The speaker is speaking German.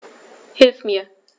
Hilf mir!